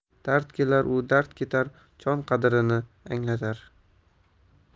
dard kelar u dard ketar jon qadrini anglatar